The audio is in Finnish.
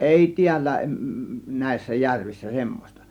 ei täällä näissä järvissä semmoista